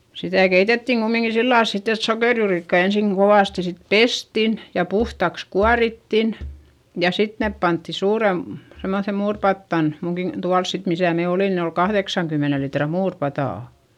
sitä keitettiin kumminkin sillä lailla sitten että sokerijuurikkaita ensin kovasti sitten pestiin ja puhtaaksi kuorittiin ja sitten ne pantiin - semmoiseen muuripataan minunkin tuolla sitten missä me olimme niin oli kahdeksankymmenen litran muuripata